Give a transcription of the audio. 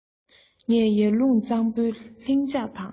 ངས ཡར ཀླུང གཙང པོའི ལྷིང འཇགས དང